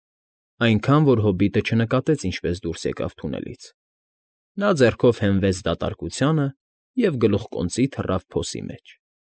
Այնքան, որ հոբիտը չնկատեց ինչպես դուրս եկավ թունելից. նա ձեռքով հենվեց դատարկությանը և… գլուխկոնծի թռավ փոսի մեջ։